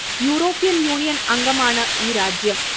European Union അംഗമാണ് ഈ രാജ്യം